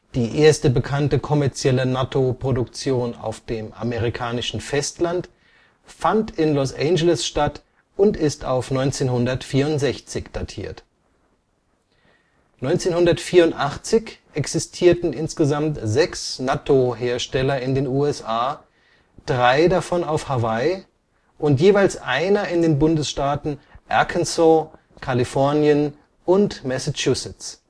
die erste bekannte kommerzielle Nattō-Produktion auf dem amerikanischen Festland fand in Los Angeles statt und ist auf 1964 datiert. 1984 existierten insgesamt sechs Nattō-Hersteller in den USA, drei davon auf Hawaii und jeweils einer in den Bundesstaaten Arkansas, Kalifornien und Massachusetts